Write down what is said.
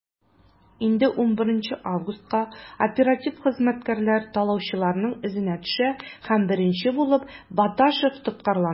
Инде 11 августка оператив хезмәткәрләр талаучыларның эзенә төшә һәм беренче булып Баташев тоткарлана.